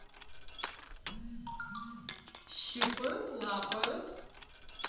щупают лапают